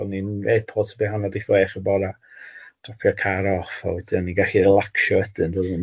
O'n ni'n airport 'byn hanner deg chwech y bore dropio car off a wedyn o'n ni'n gallu relaxio wedyn do'n